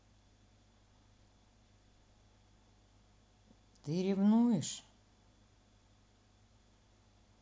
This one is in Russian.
ты ревнуешь